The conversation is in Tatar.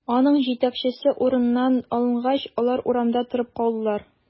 Аның җитәкчесе урыныннан алынгач, алар урамда торып калдылар.